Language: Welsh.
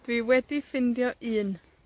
Dwi wedi ffindio un.